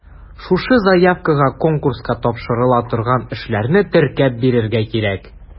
Шушы заявкага конкурска тапшырыла торган эшләрне теркәп бирергә кирәк.